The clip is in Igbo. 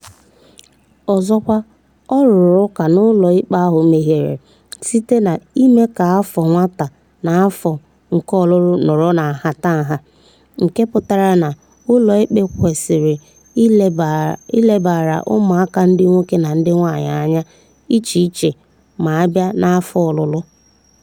Ọzọkwa, ọ rụrụ ụka na ụlọikpe ahụ mehiere site na "ime ka afọ nwata na afọ nke ọlụlụ nọrọ na nhatanaha," nke pụtara na ụlọikpe kwesịrị ilebara ụmụaka ndị nwoke na ndị nwaanyị anya iche iche ma a bịa n'afọ ọlụlụ.